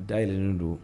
Daylen don